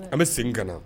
An bɛ segin kana